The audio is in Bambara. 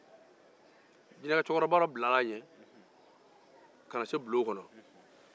jinɛkɛ cekɔrɔba dɔ bilara a ɲɛ ka na se bulon kɔnɔ